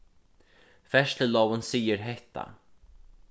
ferðslulógin sigur hetta